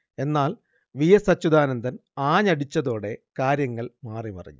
എന്നാൽ V. S. Achuthanandan ആഞ്ഞടിച്ചതോടെ കാര്യങ്ങൾ മാറി മറിഞ്ഞു